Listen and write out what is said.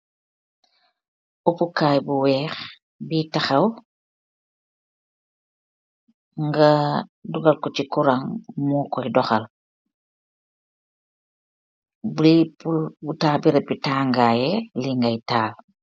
Uppu kay bu weeh bii tahaw nga dugal ko cii korang moo koy dorhal bii purr bu taabirabi tangaaye li ngay tarr